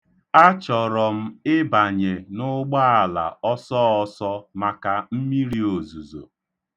Achọrọ m ịbanye n'ụgbọala ọsọọsọ maka mmiri ozuzo.